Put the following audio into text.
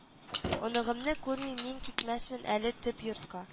Оныгымны күрми мин китмәсмен әле төп йортка